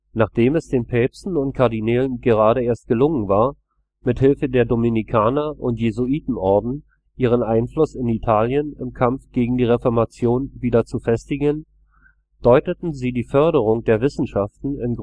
Nachdem es den Päpsten und Kardinälen gerade erst gelungen war, mithilfe der Dominikaner - und Jesuitenorden ihren Einfluss in Italien im Kampf gegen die Reformation wieder zu festigen, deuteten sie die Förderung der Wissenschaften in